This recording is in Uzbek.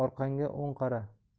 orqangga o'n qara